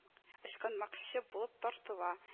Ул ычкынмакчы булып тартыла